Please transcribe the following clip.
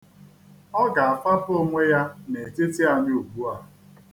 Ọ ga-afaba onwe ya n'etiti anyị ugbua.